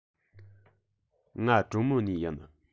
ང གྲོ མོ ནས ཡིན